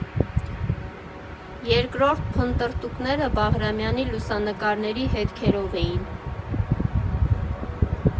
Երկրորդ փնտրտուքները Բաղրամյանի լուսանկարների հետքերով էին։